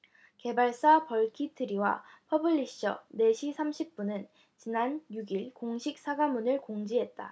개발사 벌키트리와 퍼블리셔 네시삼십삼분은 지난 육 일 공식 사과문을 공지했다